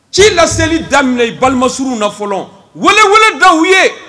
Ci laelili da minɛ i balimas na fɔlɔ weeleelew da u ye